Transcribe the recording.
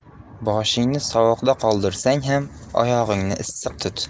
boshingni sovuqda qoldirsang ham oyog'ingni issiq tut